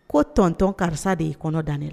Ko tɔntɔn karisa de y'i kɔnɔ da ne la